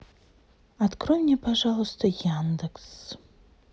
открой мне пожалуйста яндекс